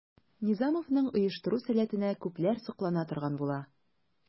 Низамовның оештыру сәләтенә күпләр соклана торган була.